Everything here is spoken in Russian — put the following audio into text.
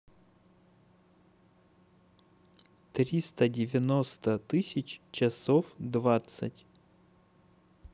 триста девяносто тысяч часов двадцать